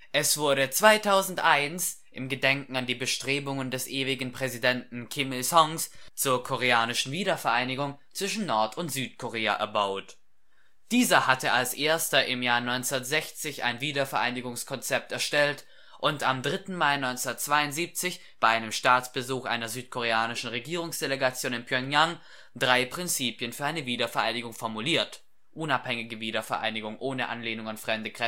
Es wurde 2001 im Gedenken an die Bestrebungen des „ ewigen Präsidenten “Kim Il-sungs zur Koreanischen Wiedervereinigung zwischen Nord - und Südkorea erbaut. Dieser hatte als Erster im Jahr 1960 ein Wiedervereinigungskonzept erstellt und am 3. Mai 1972 bei einem Staatsbesuch einer südkoreanischen Regierungsdelegation in Pjöngjang drei Prinzipien für eine Wiedervereinigung formuliert (unabhängige Wiedervereinigung ohne Anlehnung an fremde